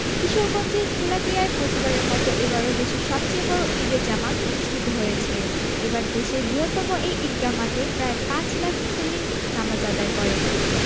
কিশোরগঞ্জের শোলাকিয়ায় প্রতিবারের মতো এবারও দেশের সবচেয়ে বড় ঈদের জামাত অনুষ্ঠিত হয়েছে এবার দেশের বৃহত্তম এই ঈদগাহ মাঠে প্রায় পাঁচ লাখ মুসল্লি নামাজ আদায় করেন